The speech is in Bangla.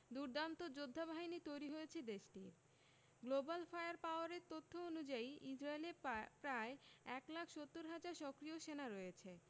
দুর্দান্ত যোদ্ধাবাহিনী তৈরি হয়েছে দেশটির গ্লোবাল ফায়ার পাওয়ারের তথ্য অনুযায়ী ইসরায়েলের পা প্রায় ১ লাখ ৭০ হাজার সক্রিয় সেনা রয়েছে